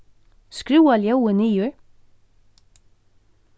skrúva ljóðið niður